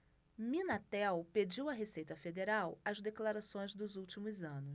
minatel pediu à receita federal as declarações dos últimos anos